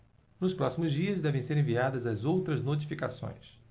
nos próximos dias devem ser enviadas as outras notificações